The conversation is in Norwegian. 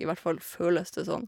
I hvert fall føles det sånn.